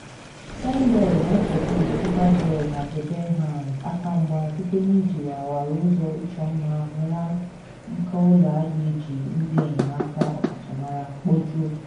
Sainbury na eche Boots, Superdrug na Debenhams aka mgba site na iji warawara ụzọ ịchọ mma nwere nka-ụlọ ahịa eji ndị enyemaka ọkachamara kpojuo.